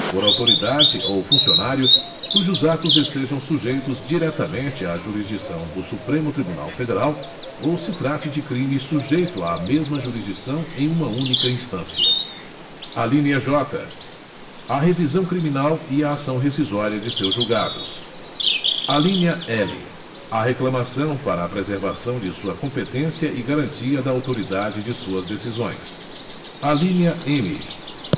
for autoridade ou funcionário cujos atos estejam sujeitos diretamente à jurisdição do supremo tribunal federal ou se trate de crime sujeito à mesma jurisdição em uma única instância alínea j a revisão criminal e a ação rescisória de seus julgados alínea l a reclamação para a preservação de sua competência e garantia da autoridade de suas decisões alínea m